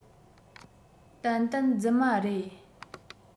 ཏན ཏན རྫུན མ རེད